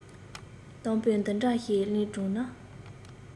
གཏམ དཔེ འདི འདྲ ཞིག གླིང སྒྲུང ན